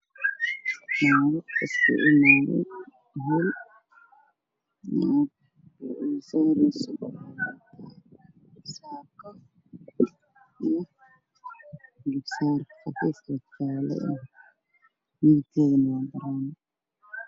Waa arday wadato bugaag qalimaan ay ku qoran yihiin iskuulkooda magacooda